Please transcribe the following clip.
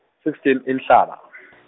sixteen Inhlaba .